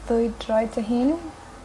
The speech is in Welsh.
...ddwy droed dy hun.